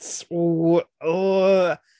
It's, ooo, uuhh!